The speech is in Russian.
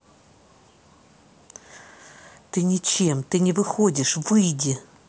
ты ничем ты не выходишь выйди